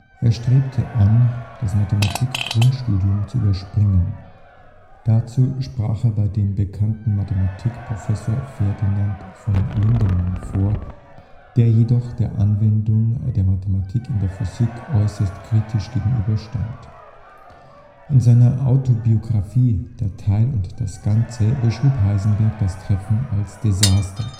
Er strebte an, das Mathematik-Grundstudium zu überspringen. Dazu sprach er bei dem bekannten Mathematikprofessor Ferdinand von Lindemann vor, der jedoch der Anwendung der Mathematik in der Physik äußerst kritisch gegenüberstand. In seiner Autobiographie Der Teil und das Ganze beschrieb Heisenberg das Treffen als Desaster